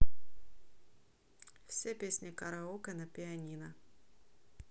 все песни караоке на пианино